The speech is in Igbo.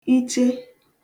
iche